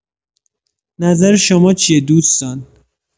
نظر شما چیه دوستان؟